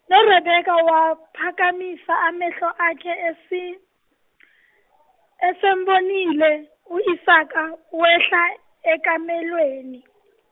noRebeka waphakamisa amehlo akhe esi- esembonile u Isaka wehla ekamelweni.